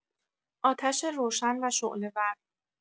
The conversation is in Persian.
آتش روشن و شعله‌ور